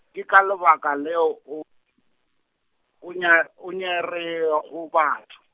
ke ka lebaka leo o, o nya-, o nyareago batho.